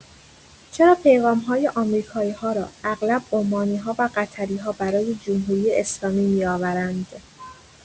چرا پیغام‌های آمریکایی‌ها را اغلب عمانی‌ها و قطری‌ها برای جمهوری‌اسلامی می‌آورند؟